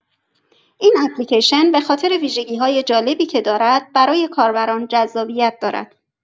این اپلیکیشن به‌خاطر ویژگی‌های جالبی که دارد برای کاربران جذابیت دارد.